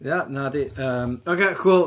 Ia nadi, yym, ocê cŵl.